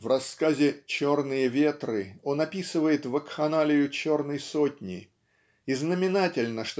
В рассказе "Черные ветры" он описывает вакханалию черной сотни и знаменательно